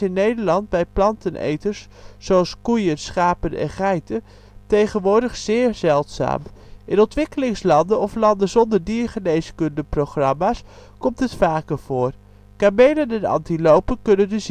Nederland bij planteneters zoals koeien, schapen en geiten tegenwoordig zeer zeldzaam. In ontwikkelingslanden, of landen zonder diergeneeskundeprogramma 's komt het vaker voor. Kamelen en antilopen kunnen